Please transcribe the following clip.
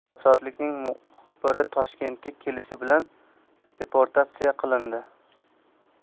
ozodlik ning muxbiri toshkentga kelishi bilan deportatsiya qilindi